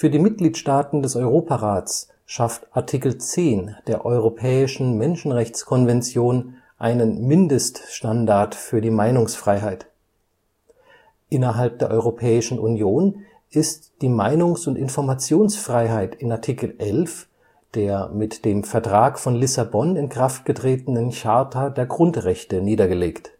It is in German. die Mitgliedstaaten des Europarats schafft Art. 10 der Europäischen Menschenrechtskonvention einen Mindeststandard für die Meinungsfreiheit. Innerhalb der Europäischen Union ist die Meinungs - und Informationsfreiheit in Art. 11 der mit dem Vertrag von Lissabon in Kraft getretenen Charta der Grundrechte niedergelegt